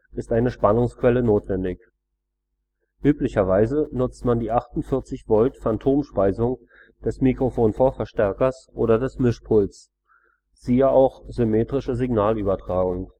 ist eine Spannungsquelle notwendig. Üblicherweise nutzt man die 48-Volt-Phantomspeisung des Mikrofonvorverstärkers oder des Mischpults; siehe auch: Symmetrische Signalübertragung